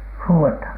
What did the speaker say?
huudetaan